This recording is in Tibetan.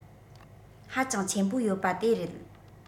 ཧ ཅང ཆེན པོ ཡོད པ དེ རེད